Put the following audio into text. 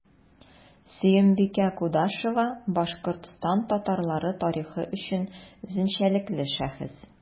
Сөембикә Кудашева – Башкортстан татарлары тарихы өчен үзенчәлекле шәхес.